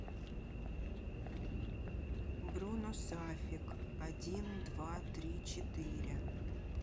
бруно сафик один два три четыре